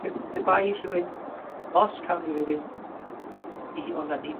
Pe- pe-bai rhywun, os cawn ni rywun i olynu